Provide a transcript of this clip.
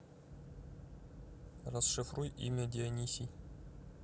расшифруй имя дионисий